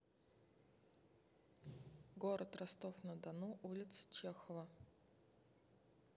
город ростов на дону улица чехова